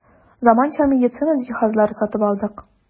Заманча медицина җиһазлары сатып алдык.